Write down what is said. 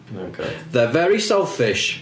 Oh god... They're very selfish...